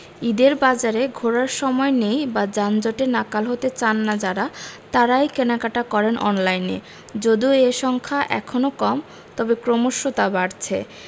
ঈদের বাজারে ঘোরার সময় নেই বা যানজটে নাকাল হতে চান না যাঁরা তাঁরাই কেনাকাটা করেন অনলাইনে যদিও এ সংখ্যা এখনো কম তবে ক্রমশ তা বাড়ছে